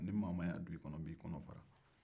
ni maa o maa y'a dun i kɔnɔ n b'i kɔnɔ faran